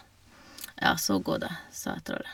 Ja, så gå, da, sa trollet.